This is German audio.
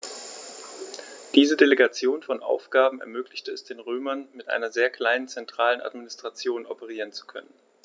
Diese Delegation von Aufgaben ermöglichte es den Römern, mit einer sehr kleinen zentralen Administration operieren zu können.